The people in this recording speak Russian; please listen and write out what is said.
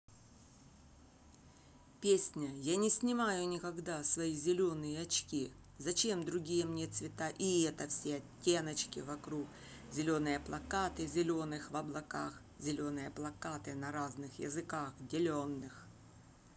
песня я не снимаю никогда свои зеленые очки зачем дорогие мне цвета и это все оттеночки вокруг зеленые плакаты зеленых в облаках зеленые плакаты на разных языках деленных